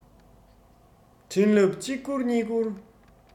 འཕྲིན ལབ གཅིག བསྐུར གཉིས བསྐུར